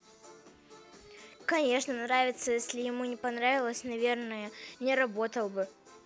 конечно нравится если ему не нравилось наверное не работал бы